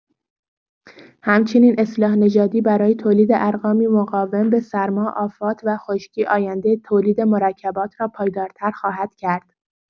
همچنین اصلاح نژادی برای تولید ارقامی مقاوم به سرما، آفات و خشکی، آینده تولید مرکبات را پایدارتر خواهد کرد.